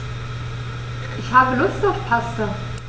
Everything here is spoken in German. Ich habe Lust auf Pasta.